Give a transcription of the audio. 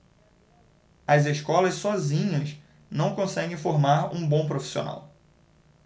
as escolas sozinhas não conseguem formar um bom profissional